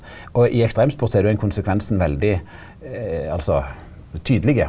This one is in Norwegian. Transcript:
og i ekstremsport så er det jo ein konsekvensen veldig altså tydeleg.